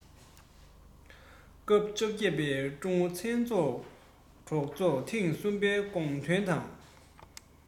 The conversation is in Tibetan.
སྐབས བཅོ བརྒྱད པའི ཀྲུང ཨུ ཚང འཛོམས གྲོས ཚོགས ཐེངས གསུམ པའི དགོངས དོན དང